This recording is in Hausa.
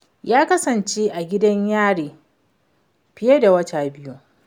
Ya kasance a gidan Yari fiye da wata biyu.